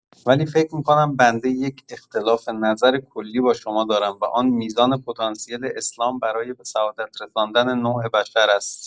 ولی فکر می‌کنم بنده یک اختلاف‌نظر کلی با شما دارم و آن میزان پتانسیل اسلام برای به سعادت رساندن نوع بشر است.